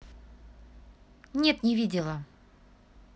нет не видела